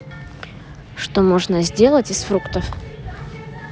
что можно сделать из фруктов